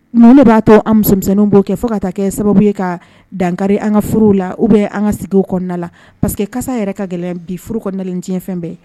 Numu b'a tɔ an musomisɛnninw bɔ kɛ fo ka taa kɛ sababu ye ka dankari an ka furuw la u bɛ an ka sigiw kɔnɔna la pa parce que ka yɛrɛ ka gɛlɛn bi furu kɔnɔnaɛlencfɛn bɛɛ